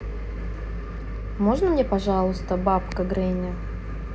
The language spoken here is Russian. можно мне пожалуйста бабка гренни